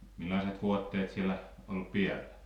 millaiset vaatteet siellä oli päällä